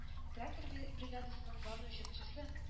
Трактор би бригадасының главный учетчысы